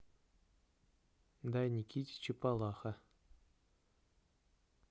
дай никите чапалаха